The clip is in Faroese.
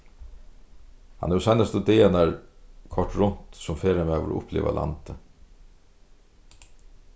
hann hevur seinastu dagarnar koyrt runt sum ferðamaður og upplivað landið